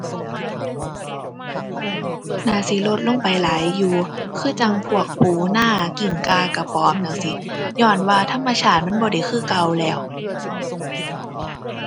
น่าสิลดลงไปหลายอยู่ คือจั่งพวกปูนา กิ้งก่า กะปอมจั่งซี้ ญ้อนว่าธรรมชาติมันบ่ได้คือเก่าแล้ว